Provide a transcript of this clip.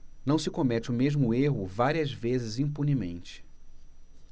não se comete o mesmo erro várias vezes impunemente